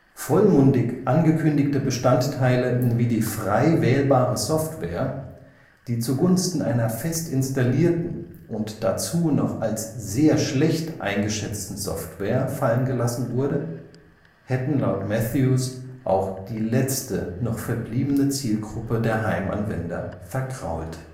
Vollmundig angekündigte Bestandteile wie die frei wählbare Software, die zugunsten einer fest installierten und dazu noch als sehr schlecht eingeschätzten Software („ Tri-Micro 's 3 Plus 1 software is best described as barely stable. “) fallengelassen wurden, hätten laut Matthews auch die letzte noch verbliebene Zielgruppe der Heimanwender vergrault